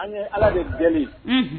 An ye ala de deli